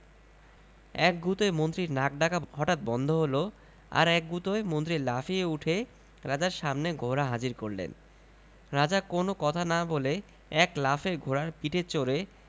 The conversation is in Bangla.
এক গুতোয় মন্ত্রীর নাক ডাকা হঠাৎ বন্ধ হল আর এক গুতোয় মন্ত্রী লাফিয়ে উঠে রাজার সামনে ঘোড়া হাজির করলেন রাজা কোন কথা না বলে একটি লাফে ঘোড়ার পিঠে চড়ে